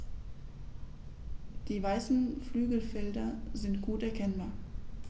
Die weißen Flügelfelder sind gut erkennbar.